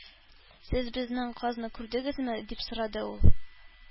"сез безнең казны күрдегезме" дип сорады ул